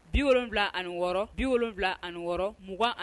76, 76, 20 ani